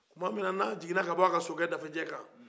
tuma min na n'a jigina ka b'a ka sokɛ dafejɛ kan